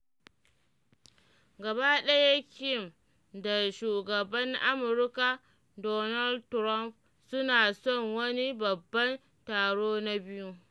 Gaba ɗaya Kim da Shugaban Amurka Donald Trump suna son wani babban taro na biyu.